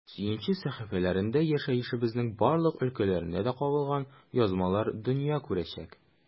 “сөенче” сәхифәләрендә яшәешебезнең барлык өлкәләренә дә кагылган язмалар дөнья күрәчәк.